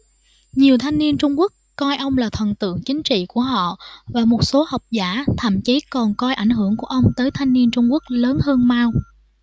nhiều thanh niên trung quốc coi ông là thần tượng chính trị của họ và một số học giả thậm chí còn coi ảnh hưởng của ông tới thanh niên trung quốc lớn hơn mao